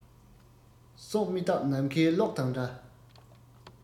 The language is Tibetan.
སྲོག མི རྟག ནམ མཁའི གློག དང འདྲ